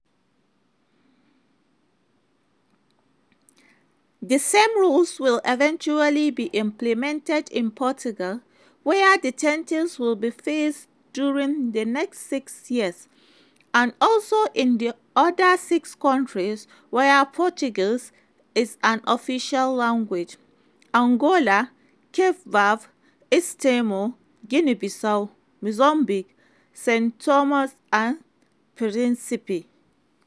The same rules will eventually be implemented in Portugal, where the changes will be phased during the next six years, and also in the other 6 countries where Portuguese is an official language: Angola, Cape Verde, East Timor, Guinea-Bissau, Mozambique, São Tomé and Príncipe.